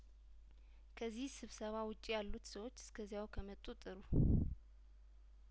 ከዚህ ስብስባ ውጭ ያሉት ሰዎች እስከዚያው ከመጡ ጥሩ